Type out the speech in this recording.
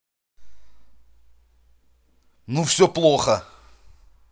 ну все плохо